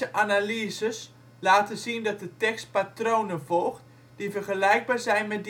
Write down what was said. analyses laten zien dat de tekst patronen volgt die vergelijkbaar zijn